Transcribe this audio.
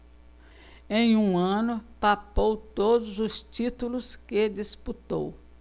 em um ano papou todos os títulos que disputou